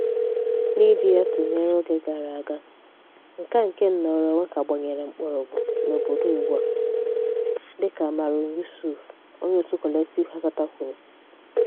"N'iji ya tụnyere oge gara aga, nkà nke nnọrọ nwere onwe kà gbanyere mkpọrọgwụ n'obodo ugbua," : Dịka Marouane Youssoufi, onye òtù Collectif Hardzazat kwuru.